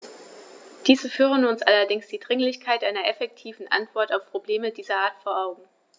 Diese führen uns allerdings die Dringlichkeit einer effektiven Antwort auf Probleme dieser Art vor Augen.